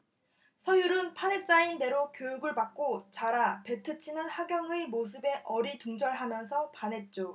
서율은 판에 짜인 대로 교육을 받고 자라 배트 치는 하경의 모습에 어리둥절 하면서 반했죠